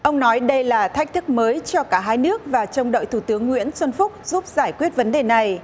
ông nói đây là thách thức mới cho cả hai nước và trông đợi thủ tướng nguyễn xuân phúc giúp giải quyết vấn đề này